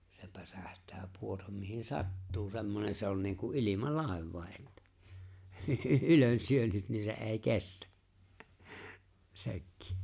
se päsähtää pudota mihin sattuu semmoinen se on niin kuin ilmalaivakin että ylensyönyt niin se ei kestä sekin